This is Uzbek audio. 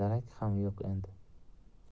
darak xam yo'q edi